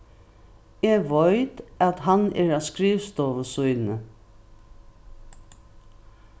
eg veit at hann er á skrivstovu síni